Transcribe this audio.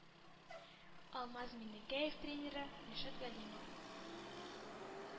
Алмаз Миннекәев тренеры – Ришат Галимов